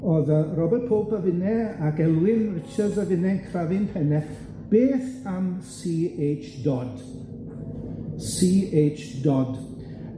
O'dd yy Robert Pope a finne ac Elwyn Richards a finne'n crafu'n penne, beth am See Haitch Dodd? See Aitch Dodd.